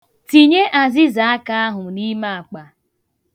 Tinye azịzaaka ahụ n'ime akpa.